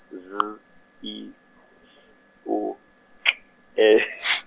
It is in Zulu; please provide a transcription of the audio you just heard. Z, I , S, O, K, E .